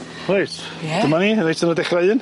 Reit. Ie. Dyma ni reit ar y dechra un.